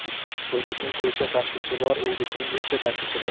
to'ylikning to'ycha tashvishi bor uylikning uycha tashvishi bor